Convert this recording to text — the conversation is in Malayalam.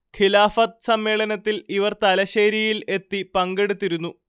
ഖിലാഫത്ത് സമ്മേളനത്തിൽ ഇവർ തലശ്ശേരിയിൽ എത്തി പങ്കെടുത്തിരുന്നു